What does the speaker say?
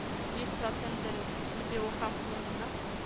Йөз процент дөрес, — диде ул һәм урынының